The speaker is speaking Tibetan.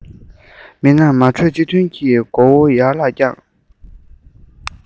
མི རྣམས མ གྲོས གཅིག མཐུན གྱིས མགོ བོ ཡར ལ བཀྱགས